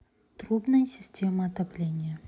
трубная система отопления